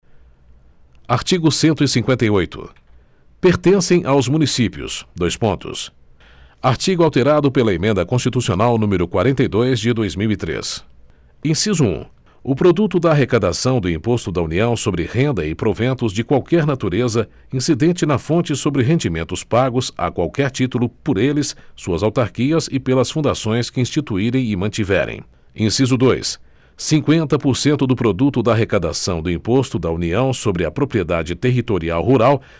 artigo cento e cinquenta e oito pertencem aos municípios dois pontos artigo alterado pela emenda constitucional número quarenta e dois de dois mil e três inciso um o produto da arrecadação do imposto da união sobre renda e proventos de qualquer natureza incidente na fonte sobre rendimentos pagos a qualquer título por eles suas autarquias e pelas fundações que instituírem e mantiverem inciso dois cinqüenta por cento do produto da arrecadação do imposto da união sobre a propriedade territorial rural